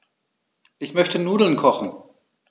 Ich möchte Nudeln kochen.